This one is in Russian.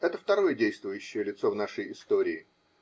это второе действующее лицо в нашей истории.